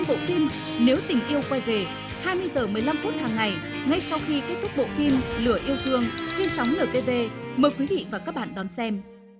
bộ phim nếu tình yêu quay về hai mươi giờ mười lăm phút hàng ngày ngay sau khi kết thúc bộ phim lửa yêu thương trên sóng nờ tê vê mời quý vị và các bạn đón xem